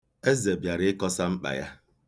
Eze bịara ịkosa mkpa ya.